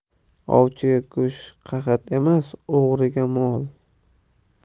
ovchiga go'sht qahat emas o'g'riga mol